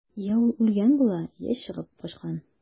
Йә ул үлгән була, йә чыгып качкан.